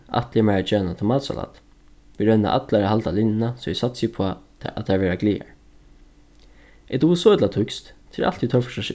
ætli eg mær at gera eina tomatsalat vit royna allar at halda linjuna so eg satsi upp á tað at tær verða glaðar eg dugi so illa týskt tað er altíð